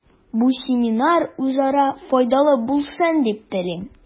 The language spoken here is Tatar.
Бу семинар үзара файдалы булсын дип телим.